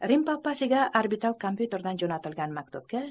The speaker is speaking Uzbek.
rim papasiga orbital komp'yuterdan jo'natilgan maktubga